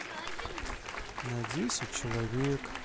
на десять человек